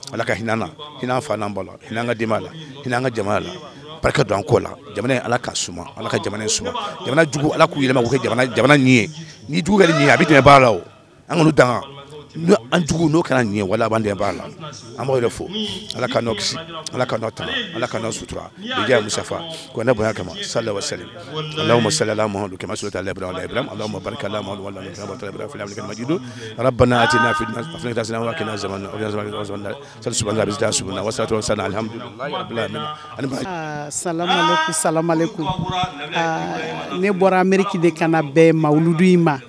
Ala ka hinɛan'an la anan ka la hinɛ an ka jamana la barika don an ko la ala ka ala ka jugu ala k'i yɛlɛma jamana ye a bɛ tɛmɛ baara la o an danga anjugu n'o kana waladenya' la an b' yɛrɛ fɔ ala ka ala ka tan ala sutura musafa ne bo sama salahamadu kɛmɛma so la ma alaa sa s wa sa samu ne bɔra anmerike de kana bɛɛ ma wuludu in ma